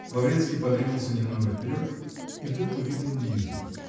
Лаврецкий подвинулся немного вперед -- и вдруг увидел Лизу.